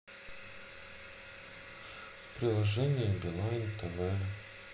приложение билайн тв